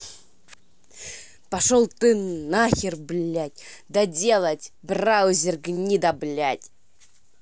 пошел ты нахер блядь доделать браузер гнида блять